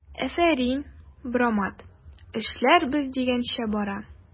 Афәрин, брамат, эшләр без дигәнчә бара!